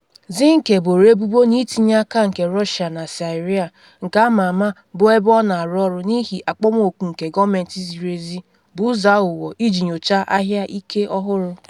Zinke boro ebubo na itinye aka nke Russia na Syria - nke ama ama, bụ ebe ọ na-arụ ọrụ n’ihi akpọmoku nke gọọmentị ziri ezi - bụ ụzọ aghụghọ iji nyochaa ahịa ike ọhụrụ.